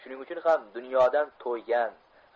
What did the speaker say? shuning uchun ham dunyodan to'ygan